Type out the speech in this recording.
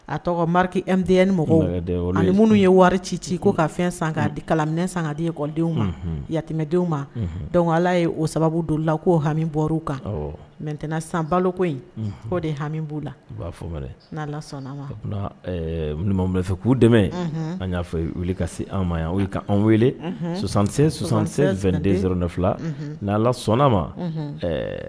A tɔgɔkete minnu ye wari ci ci ko ka fɛn san di kala minɛn san diɔndenw ma yamɛdenw ma dɔnku ala ye o sababu don la koo hami bɔ kan mɛten san balo ko in ko de hami b'u la i b'a fɔ' sɔnna minnu bɛ fɛ k'u dɛmɛ an y' wuli ka se anw ma yan anw wele sonsansen sonsansen fɛn den ne fila n'la sɔnna ma